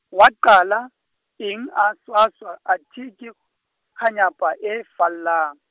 wa qala, eng a swaswa, athe ke, kganyapa e falla.